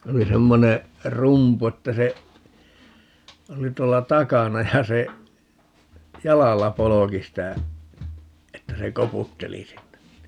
se oli semmoinen rumpu että se oli tuolla takana ja se jalalla polki sitä että se koputteli sinne niin